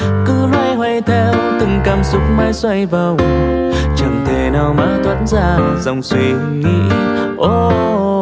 cứ loay hoay theo từng cảm xúc mãi xoay vòng chẳng thể nào mà thoát ra dòng suy nghĩ